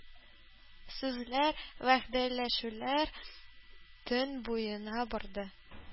Сүзләр, вәгъдәләшүләр төн буена барды.